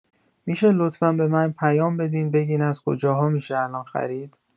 می‌شه لطفا به من پیام بدین بگین از کجاها می‌شه الان خرید؟